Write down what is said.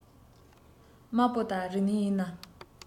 དམར པོ དག རིག གནས ཡིན ནམ